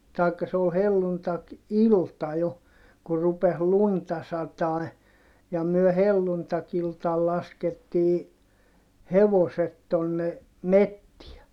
tai se oli helluntai-ilta jo kun rupesi lunta satamaan ja me helluntai-iltana laskettiin hevoset tuonne metsään